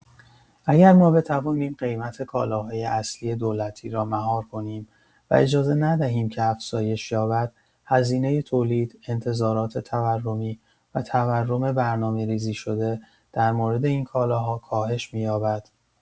اگر ما بتوانیم قیمت کالاهای اصلی دولتی را مهار کنیم و اجازه ندهیم که افزایش یابد، هزینه تولید، انتظارات تورمی، و تورم برنامه‌ریزی شده در مورد این کالاها کاهش می‌یابد.